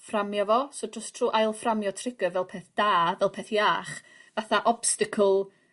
fframio fo so jyst trw ail fframio trigger fel peth da fel peth iach fatha obsticle...